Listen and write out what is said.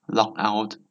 ล็อกเอาท์